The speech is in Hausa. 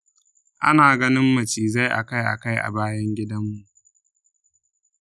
ana ganin macizai akai-akai a bayan gidanmu.